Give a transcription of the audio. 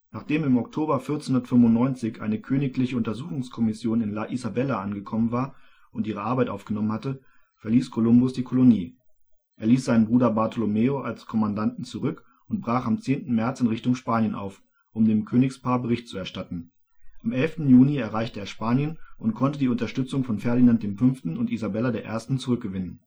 Nachdem im Oktober 1495 eine königliche Untersuchungskommission in La Isabela angekommen war und ihre Arbeit aufgenommen hatte, verließ Kolumbus die Kolonie. Er ließ seinen Bruder Bartolomeo als Kommandanten zurück und brach am 10. März in Richtung Spanien auf, um dem Königspaar Bericht zu erstatten. Am 11. Juni erreichte er Spanien und konnte die Unterstützung von Ferdinand V. und Isabella I. zurückgewinnen